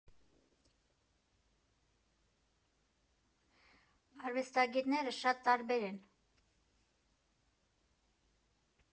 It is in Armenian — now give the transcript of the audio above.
Արվեստագետները շատ տարբեր են։